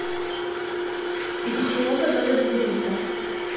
из чего готовят бурито